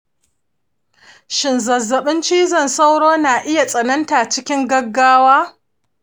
shin zazzaɓin cizon sauro na iya tsananta cikin gaggawa